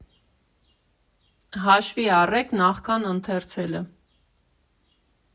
Հաշվի առեք նախքան ընթերցելը։